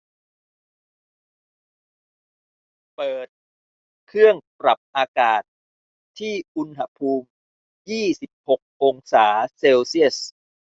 เปิดเครื่องปรับอากาศที่อุณหภูมิยี่สิบหกองศาเซลเซียส